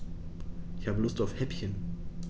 Ich habe Lust auf Häppchen.